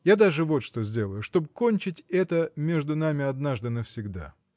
Я даже вот что сделаю, чтоб кончить это между нами однажды навсегда